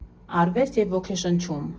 Արվեստ և ոգեշնչում։